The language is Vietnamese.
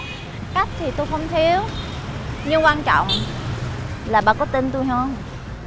cóc thì tôi không thiếu nhưng quan trọng là bà có tin tôi hông